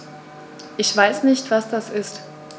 Ich weiß nicht, was das ist.